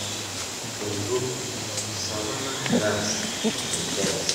1. "Savannah Grass" nke Kes